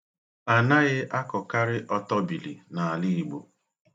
Anaghị akọkari ọtọbili n'ala Igbo.